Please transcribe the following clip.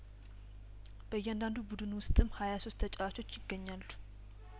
በእያንዳንዱ ቡድን ውስጥም ሀያሶስት ተጫዋቾች ይገኛሉ